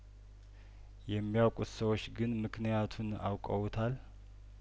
የሚያውቁት ሰዎች ግን ምክንያቱን አውቀውታል